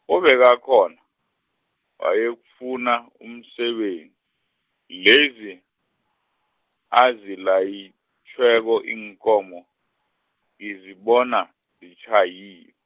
obekakhona, wayokufuna umsebe-, lezi, ezilayitjhiweko iinkomo, ngizibona, zitjhayi-.